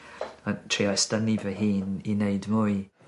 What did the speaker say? a trio estynu fy hun i neud mwy.